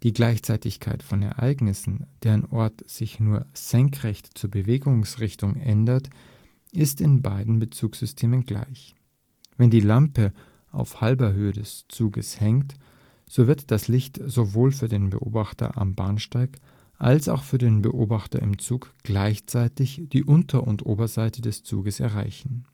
Gleichzeitigkeit von Ereignissen, deren Ort sich nur senkrecht zur Bewegungsrichtung ändert, ist in beiden Bezugssystemen gleich: Wenn die Lampe auf halber Höhe des Zuges hängt, so wird das Licht sowohl für den Beobachter am Bahnsteig als auch für den Beobachter im Zug gleichzeitig die Unter - und Oberseite des Zuges erreichen